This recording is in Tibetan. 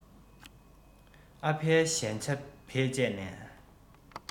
ཨ ཕའི གཞན ཆ བེད སྤྱད ནས